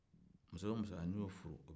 muso bɛ muso la n'i y'o furu